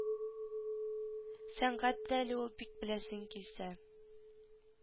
Сәнгать тә әле ул бик беләсең килсә